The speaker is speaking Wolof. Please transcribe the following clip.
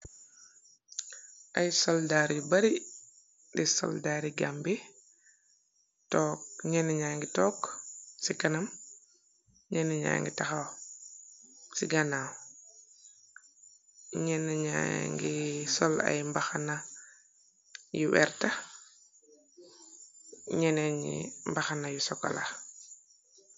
Ay soldar yu bari di soldar yi Gambi ñenni ñangi toog ci kanam ñenni ñangi taxaw ci ganaaw, ñenni ñangi sol ay mbaxana yu werta ñeneni mbaxana yu sokola.